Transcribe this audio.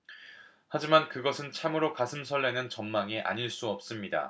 하지만 그것은 참으로 가슴 설레는 전망이 아닐 수 없습니다